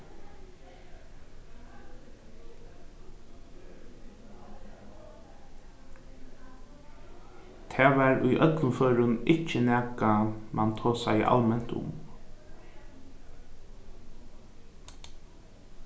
tað var í øllum førum ikki nakað mann tosaði alment um